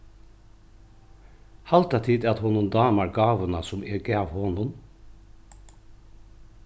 halda tit at honum dámar gávuna sum eg gav honum